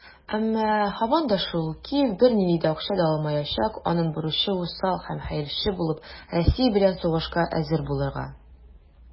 Әмма, һаман да шул, Киев бернинди акча да алмаячак - аның бурычы усал һәм хәерче булып, Россия белән сугышка әзер булырга.